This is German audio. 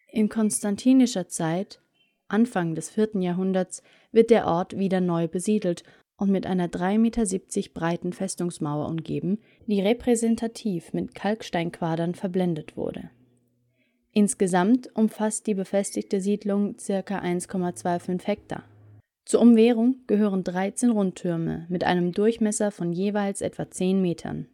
In konstantinischer Zeit, Anfang des 4. Jahrhunderts, wird der Ort wieder neu besiedelt und mit einer 3,70 Meter breiten Festungsmauer umgeben, die repräsentativ mit Kalksteinquadern verblendet wurde. Insgesamt umfasst die befestigte Siedlung 1,52 Hektar. Zur Umwehrung gehören 13 Rundtürme mit einem Durchmesser von jeweils etwa zehn Metern